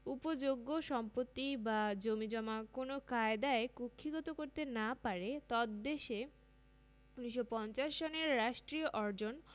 উপযোগ্য সম্পত্তি বা জমিজমা কোনও কায়দায় কুক্ষীগত করতে না পারে তদ্দেশে ১৯৫০ সনের রাষ্ট্রীয় অর্জন